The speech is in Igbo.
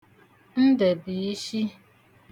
Ndə̣̀biishi